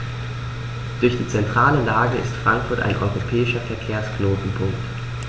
Durch die zentrale Lage ist Frankfurt ein europäischer Verkehrsknotenpunkt.